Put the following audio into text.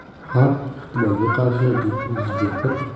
har ehtimolga qarshi deb o'ziga